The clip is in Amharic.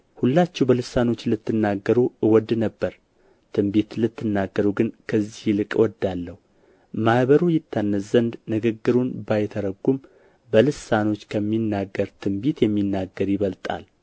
ሁላችሁ በልሳኖች ልትናገሩ እወድ ነበር ትንቢትን ልትናገሩ ግን ከዚህ ይልቅ እወዳለሁ ማኅበሩ ይታነጽ ዘንድ ንግግሩን ባይተረጐም በልሳኖች ከሚናገር ትንቢትን የሚናገር ይበልጣል